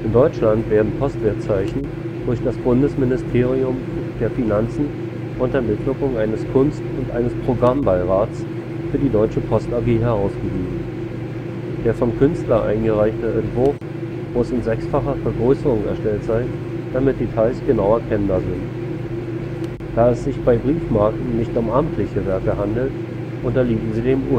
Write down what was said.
Deutschland werden Postwertzeichen durch das Bundesministerium der Finanzen unter Mitwirkung eines Kunst - und eines Programmbeirates für die Deutsche Post AG herausgegeben. Der vom Künstler eingereichte Entwurf muss in sechsfacher Vergrößerung erstellt sein, damit Details genauer erkennbar sind. Da es sich bei Briefmarken nicht um amtliche Werke handelt, unterliegen sie dem Urheberrechtsschutz